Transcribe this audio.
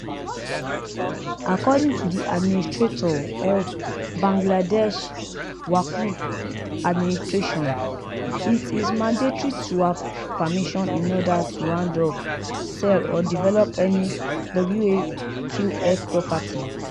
According to the administrator of Bangladesh's Waqf Administration, it is mandatory to have permission in order to hand over, sell or develop any Waqf property.